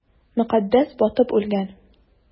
Мөкаддәс батып үлгән!